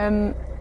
Yym,